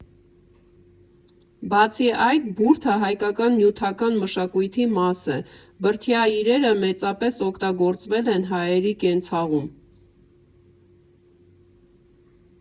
Բացի այդ՝ բուրդը հայկական նյութական մշակույթի մաս է, բրդյա իրերը մեծապես օգտագործվել են հայերի կենցաղում։